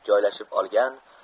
joylashib olgan